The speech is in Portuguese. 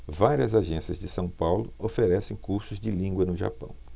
várias agências de são paulo oferecem cursos de língua no japão